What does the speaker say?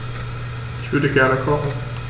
Ich würde gerne kochen.